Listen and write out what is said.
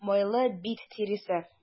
Майлы бит тиресе.